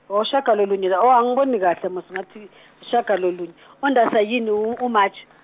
oh shagalolunye la, oh angiboni kahle mos- ngathi- shagalolunye, uNdasa yini u- u- March.